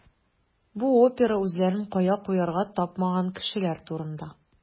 Бу опера үзләрен кая куярга тапмаган кешеләр турында.